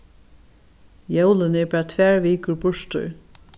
jólini eru bara tvær vikur burtur